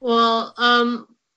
Wel yym